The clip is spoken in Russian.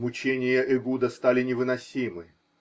Мучения Эгуда стали невыносимы.